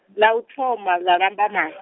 ḽa uthoma ḽa ḽambamai.